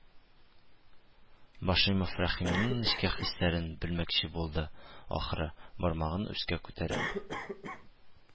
Ьашимов Рәхимнең нечкә хисләрен бел мәкче булды, ахры, бармагын өскә күтәреп: